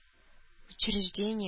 Учреждение